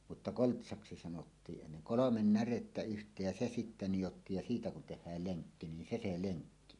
mutta koltsaksi sanottiin ennen kolme närettä yhteen ja se sitten nidottiin ja sitten kun tehdään lenkki niin se se lenkki on